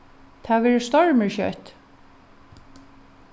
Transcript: tað verður stormur skjótt